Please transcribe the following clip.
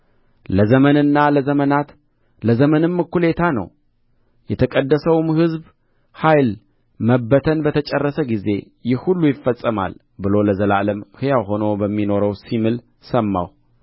ለዘመንና ለዘመናት ለዘመንም እኵሌታ ነው የተቀደሰውም ሕዝብ ኃይል መበተን በተጨረሰ ጊዜ ይህ ሁሉ ይፈጸማል ብሎ ለዘላለም ሕያው ሆኖ በሚኖረው ሲምል ሰማሁ